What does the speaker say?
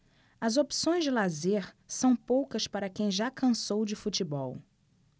as opções de lazer são poucas para quem já cansou de futebol